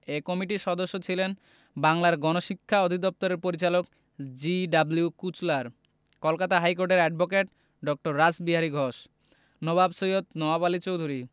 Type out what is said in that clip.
এ কমিটির সদস্য ছিলেন বাংলার গণশিক্ষা অধিদপ্তরের পরিচালক জি.ডব্লিউ কুচলার কলকাতা হাইকোর্টের অ্যাডভোকেট ড. রাসবিহারী ঘোষ নবাব সৈয়দ নওয়াব আলী চৌধুরী